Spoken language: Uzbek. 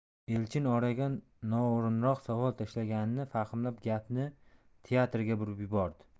elchin oraga noo'rinroq savol tashlaganini fahmlab gapni teatrga burib yubordi